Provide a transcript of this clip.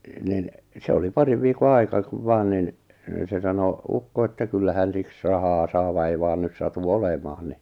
niin se oli parin viikon aika kun vain niin se sanoi ukko että kyllä hän siksi rahaa saa vaan ei vain nyt satu olemaan niin